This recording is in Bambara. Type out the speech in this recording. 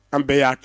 An bɛɛ y'a kɛ